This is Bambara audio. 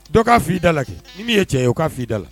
Dɔ k'a f' ii da la kɛ n min' ye cɛ ye o k'a fɔ ii da la